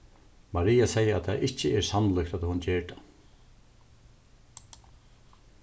maria segði at tað ikki er sannlíkt at hon ger tað